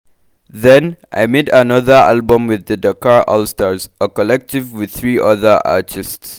Then, I made another album with the Dakar All Stars, a collective with 3 other artists.